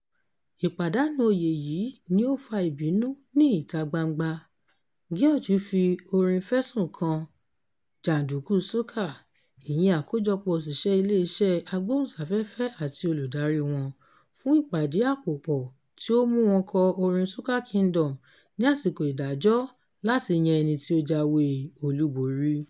Ìpàdánù oyè yìí ni ó fa ìbínú ní ìta-gbangba, George fi orin fẹ̀sùn kan “jàndùkú soca” – ìyẹn àkójọpọ̀ òṣìṣẹ́ ilé iṣẹ́ agbóhùnsáfẹ́fẹ́ àti olùdaríI wọn – fún ìpàdíàpòpọ̀ tí ó mú wọn kọ orin “Soca Kingdom” ní àsìkò ìdájọ́ láti yan ẹni tí ó jáwé olúborí.